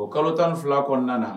O kalo tan ni fila kɔnɔna kɔnɔna